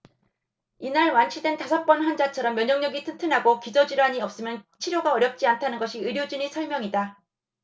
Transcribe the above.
이날 완치된 다섯 번 환자처럼 면역력이 튼튼하고 기저 질환이 없으면 치료가 어렵지 않다는 것이 의료진의 설명이다